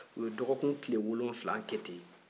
u ye dɔgɔkun tile wolonwula kɛ ten